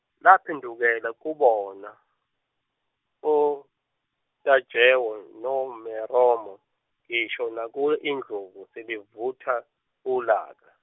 laphendukela kubona, oTajewo noMeromo, ngisho nakuyo indlovu, selivutha ulaka.